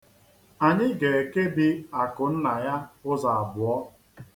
Anyị ga-ekebi akụ nna ya ụzọ abụọ.